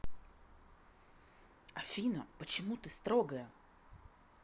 афина почему ты строгая